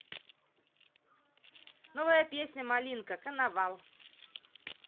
новая песня малинка коновал